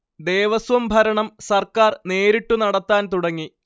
ദേവസ്വം ഭരണം സർക്കാർ നേരിട്ടു നടത്താൻ തുടങ്ങി